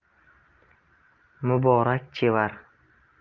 muborak chevar